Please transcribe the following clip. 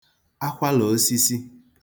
akwalà osisi